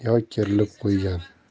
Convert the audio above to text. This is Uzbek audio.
yo kerilib qo'ygan